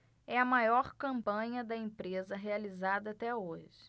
é a maior campanha da empresa realizada até hoje